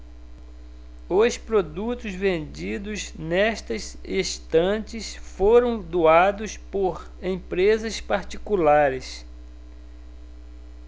os produtos vendidos nestas estantes foram doados por empresas particulares